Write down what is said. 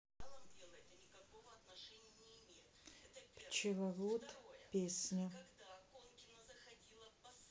пчеловод песня